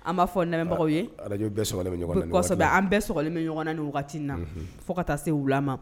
An b'a fɔ lamɛnbagaw yesɛbɛ an bɛ sli min ɲɔgɔn ni waati na fo ka taa se wula ma